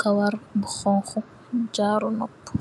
kawar bu xonxo, jaru nopu.